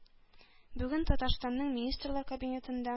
Бүген Татарстанның Министрлар Кабинетында